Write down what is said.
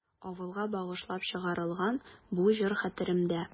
Авылга багышлап чыгарылган бу җыр хәтеремдә.